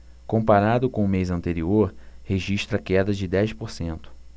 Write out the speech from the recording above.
comparado com o mês anterior registra queda de dez por cento